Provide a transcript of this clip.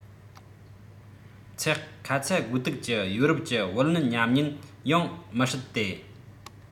ཚེག ཁ ཚ དགོས གཏུགས ཀྱི ཡོ རོབ ཀྱི བུ ལོན ཉམས ཉེན ཡང མི སྲིད དེ